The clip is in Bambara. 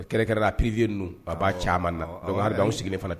Kɛlɛɛrɛkɛ a ppiy ninnu a b'a caman na an sigilen fana ten